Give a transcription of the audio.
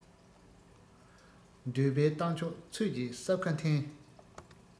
འདོད པའི རྟ མཆོག ཚོད ཀྱིས སྲབ ཁ འཐེན